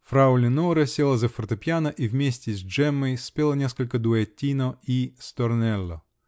Фрау Леноре села за фортепиано и вместе с Джеммой спела несколько дуэттино и "сторнелло".